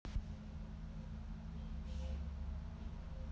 я тебе говорю что тупишь ептамать давай по русски